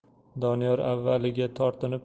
doniyor avvaliga tortinib